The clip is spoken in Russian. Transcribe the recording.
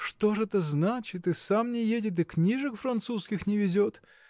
что ж это значит, и сам не едет и книжек французских не везет?